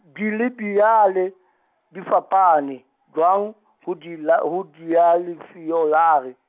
dilebiyale, di fapane, jwang, ho dila, ho dialefiyolare.